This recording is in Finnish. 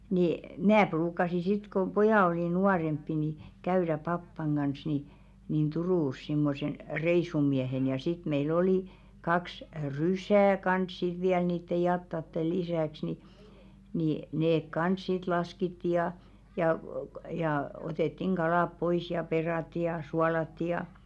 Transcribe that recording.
niin minä ruukasin sitten kun pojat oli nuorempia niin käydä papan kanssa niin niin Turussa semmoisena reissumiehenä ja sitten meillä oli kaksi rysää kanssa sitten vielä niiden jatojen lisäksi niin niin ne kanssa sitten laskettiin ja ja ja otettiin kalat pois ja perattiin ja suolattiin ja